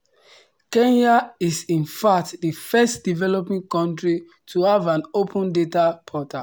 Kenya is in fact the first developing country to have an Open Data portal.